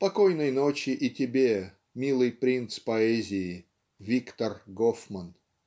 Покойной ночи и тебе, милый принц поэзии, Виктор Гофман!.